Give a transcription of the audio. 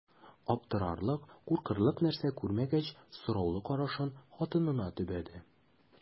Аптырарлык, куркырлык нәрсә күрмәгәч, сораулы карашын хатынына төбәде.